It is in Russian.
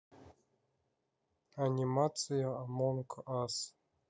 анимация амонг ас